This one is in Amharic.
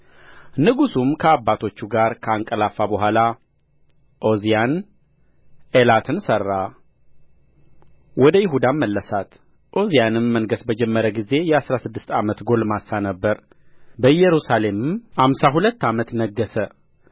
ንጉሡም ከአባቶቹ ጋር ከአንቀላፋ በኋላ ዖዝያን ኤላትን ሠራ ወደ ይሁዳም መለሳት ዖዝያንም መንገሥ በጀመረ ጊዜ የአሥራ ስድስት ዓመት ጕልማሳ ነበረ በኢየሩሳሌምም አምሳ ሁለት ዓመት ነገሠ